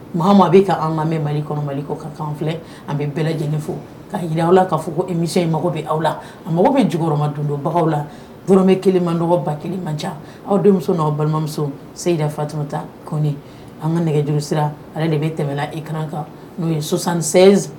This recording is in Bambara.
Bɛ ka an ka mɛn mali kɔnɔbali kɔ ka kan filɛ an bɛ bɛɛ lajɛlen fo ka jira aw la kaa fɔ e mi in mago bɛ aw la a mago bɛ juma dundobagaw la dmɛ kelen man dɔgɔba kelen man ca aw denmuso n'aw balimamuso seyi fat ta ko an ka nɛgɛjuru sira ale de bɛ tɛmɛɛna i kan kan n'o yesansen